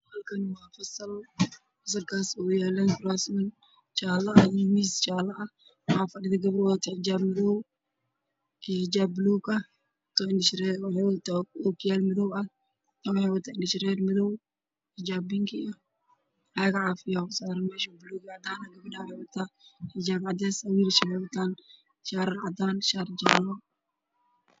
Halkaan waa fasal waxaa yaalo kuraasman jaale ah iyo miis jaale ah, waxaa fadhiyo gabar wadato xijaab madow, xijaab buluug ah, ookiyaalo madow ah, indho shareer madow iyo xijaab bingi ah, caag caafi ah ayaa saaran meesha oo buluug ah, xijaab cadeys ah wiilashuna waxay wataan shaarar cadeys ah iyo shaarar jaale ah.